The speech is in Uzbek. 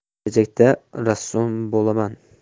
kelajakda rassom bo'laman